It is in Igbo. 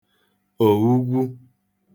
òugwu